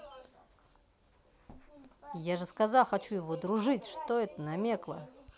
я же сказал хочу его дружить это что напекла